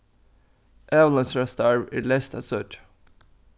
avloysarastarv er leyst at søkja